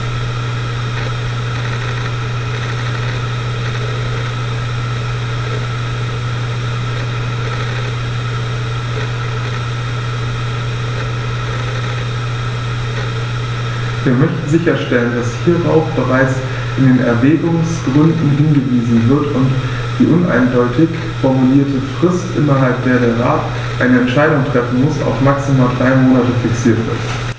Wir möchten sicherstellen, dass hierauf bereits in den Erwägungsgründen hingewiesen wird und die uneindeutig formulierte Frist, innerhalb der der Rat eine Entscheidung treffen muss, auf maximal drei Monate fixiert wird.